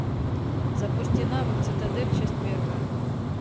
запусти навык цитадель часть первая